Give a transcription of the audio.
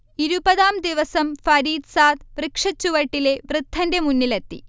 ഇരുപതാം ദിവസം ഫരീസാദ്, വൃക്ഷച്ചുവട്ടിലെ വൃദ്ധന്റെ മുന്നിലെത്തി